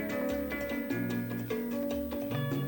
Sanunɛ